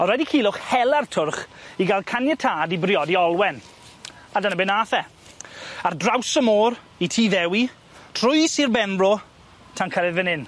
O'dd raid i Culhwch hela'r twrch i ga'l caniatâd i briodi Olwen a dyna be' nath e. Ar draws y môr i tŷ Ddewi trwy Sir Benfro tan cyrraedd fan 'yn.